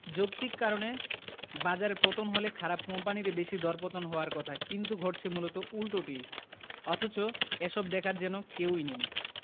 যৌক্তিক কারণে বাজারে পতন হলে খারাপ কোম্পানিরই বেশি দরপতন হওয়ার কথা কিন্তু ঘটছে মূলত উল্টোটি অথচ এসব দেখার যেন কেউই নেই